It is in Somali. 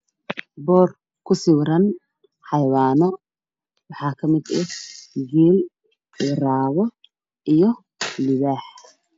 Waa sawir ka turjumayo xayawaano ka kooban garii kuwo kale